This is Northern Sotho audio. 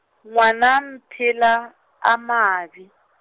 ngwana Mphela a Mabje.